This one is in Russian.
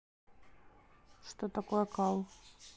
что такое кал